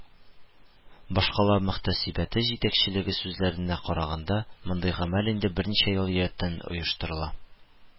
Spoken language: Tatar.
Башкала мөхтәсибәте җитәкчелеге сүзләренә караганда, мондый гамәл инде берничә ел рәттән оештырыла